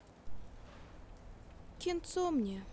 кинцо мне